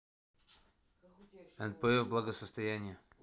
нпф благосостояние